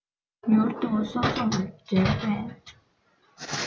མྱུར དུ སོ སོར བྲལ བའི